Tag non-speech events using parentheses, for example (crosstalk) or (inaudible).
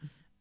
(hesitation) (hesitation)